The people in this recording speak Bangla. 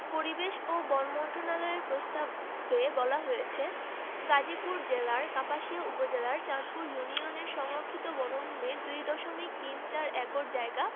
পরিবেশ ও বন মন্ত্রণালয়ের প্রস্তাবে বলা হয়েছে গাজীপুর জেলার কাপাসিয়া উপজেলার চাঁদপুর ইউনিয়নের সংরক্ষিত বনভূমির ২ দশমিক তিন চার একর জায়গা